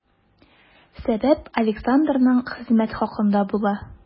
Сәбәп Александрның хезмәт хакында була.